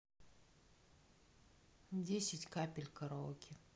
десять капель караоке